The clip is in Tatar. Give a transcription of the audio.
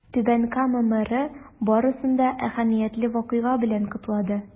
Түбән Кама мэры барысын да әһәмиятле вакыйга белән котлады.